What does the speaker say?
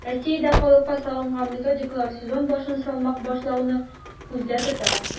Россиядә калыпка салынган методикалар сезон башын салмак башлауны күздә тота: